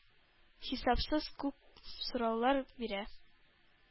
Хисапсыз күп сораулар бирә,